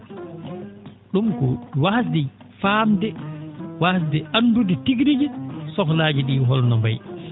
?um ko waasde faamde waasde anndude tigi rigi sohlaaji ?ii holno mbayi